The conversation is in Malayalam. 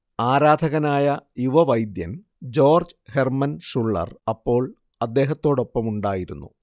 ആരാധകനായ യുവവൈദ്യൻ ജോർജ്ജ് ഹെർമൻ ഷുള്ളർ അപ്പോൾ അദ്ദേഹത്തോടൊപ്പമുണ്ടായിരുന്നു